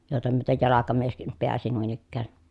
jokea myöten jalkamieskin pääsi noin ikään